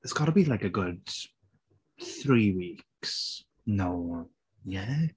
It's gotta be like a good three weeks? No? Yeah?